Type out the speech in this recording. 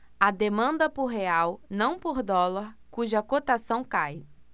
há demanda por real não por dólar cuja cotação cai